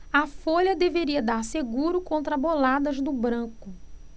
a folha devia dar seguro contra boladas do branco